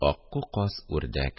Акку, каз, үрдәк